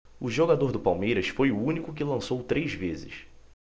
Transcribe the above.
o jogador do palmeiras foi o único que lançou três vezes